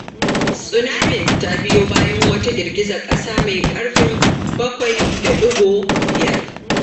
Tsunamin ta biyo bayan wata girgizar ƙasa mai ƙarfin 7 da ɗigo 5.